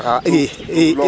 haha i